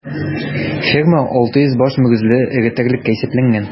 Ферма 600 баш мөгезле эре терлеккә исәпләнгән.